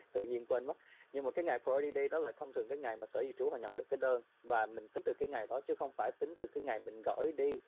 tự nhiên quên mất như một cái ngày pho ri đây đó là thông thường cái ngày mà sở di trú và nhận được đơn và mình tính từ cái ngày đó chứ không phải tính từ cái ngày mình gửi đi